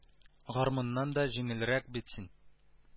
Гармуннан да җиңелрәк бит син